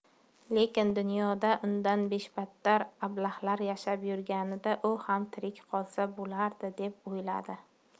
lekin dunyoda undan beshbattar ablahlar yashab yurganida u ham tirik qolsa bo'lardi deb o'yladi